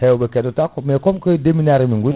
hewɓe keɗotako mais comme koye ndeminare min goni